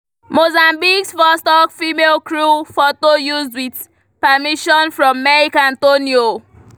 Mozambique's first all-female crew | Photo used with permission from Meck Antonio.